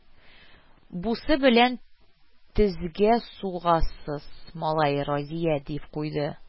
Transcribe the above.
Бусы белән тезгә сугасыз, малай, Разия, дип куйды